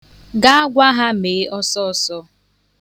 Gaa gwa ha mee ọsọọsọ.